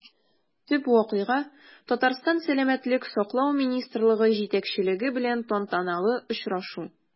Төп вакыйга – Татарстан сәламәтлек саклау министрлыгы җитәкчелеге белән тантаналы очрашу.